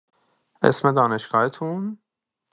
اسم دانشگاهتون؟